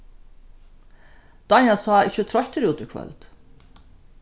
dánjal sá ikki troyttur út í kvøld